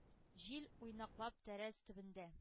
Җил, уйнаклап, тәрәз төбендә